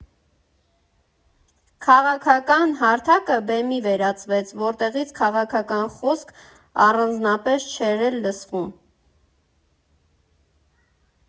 Քաղաքական հարթակը բեմի վերածվեց, որտեղից քաղաքական խոսք առանձնապես չէր էլ լսվում։